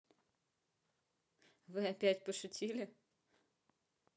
вы опять пошутили